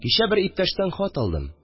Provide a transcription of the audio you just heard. Кичә бер иптәштән хат алдым